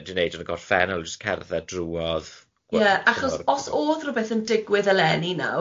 neud yn y gorffennol jyst cerdded drwodd Ie, achos os 'odd rwbeth yn yn digwydd eleni nawr